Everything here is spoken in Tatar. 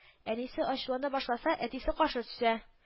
Әнисе ачулана башласа, әтисе каршы төссә